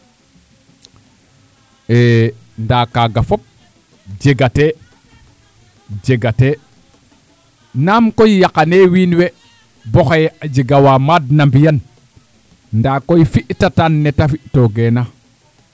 ee ndaa kaaga fop jegatee jegatee naam koy yaqanee wiin we boo xaye a jega wa maad na mbi'an ndaa koy fi'tatan neete fi'toogeena